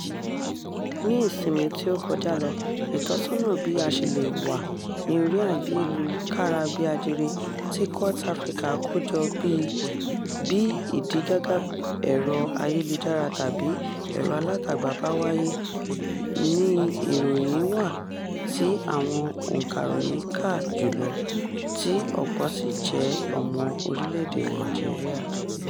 Ní ìsinmi tí ó kọjá lọ, ìtọ́sọ́nà bí a ṣe lè wà ní orí ayélukára-bí-ajere ti Quartz Africa kó jọ bí ìdígàgá ẹ̀rọ-ayélujára tàbí ẹ̀rọ-alátagbà bá wáyé ni ìròyìn-in wá tí àwọn òǹkàròyìn kà jù lọ, tí ọ̀pọ̀ sì jẹ́ ọmọ orílẹ̀-èdè Nàìjíríà.